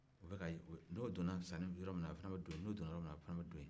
n'o donna yɔrɔ minna a fana bɛ don ye n'o donna yɔrɔ minna a fana bɛ don ye